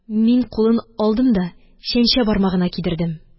Мин кулын алдым да чәнчә бармагына кидердем